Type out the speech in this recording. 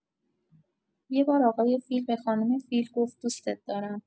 یه بار آقای فیل به خانوم فیل گفت دوستت دارم.